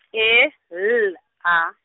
E, L, A.